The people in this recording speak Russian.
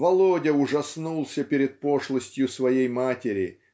Володя ужаснулся перед пошлостью своей матери